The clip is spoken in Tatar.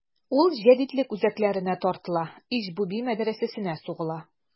Ул җәдитлек үзәкләренә тартыла: Иж-буби мәдрәсәсенә сугыла.